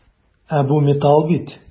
Ә бу металл бит!